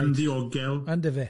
Yn ddiogel Yndyfe.